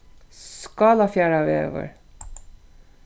skálafjarðarvegur